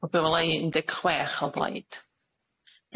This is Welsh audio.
O be' wela i un deg chwech o blaid.